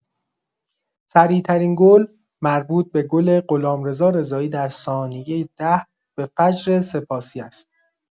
سریع‌ترین گل مربوط به گل غلامرضا رضایی در ثانیه ۱۰ به فجرسپاسی است.